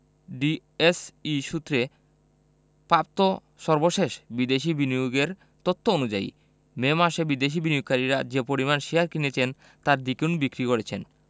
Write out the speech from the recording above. DSE সূত্রে প্রাপ্ত সর্বশেষ বিদেশি বিনিয়োগের তথ্য অনুযায়ী মে মাসে বিদেশি বিনিয়োগকারীরা যে পরিমাণ শেয়ার কিনেছেন তার দ্বিগুণ বিক্রি করেছেন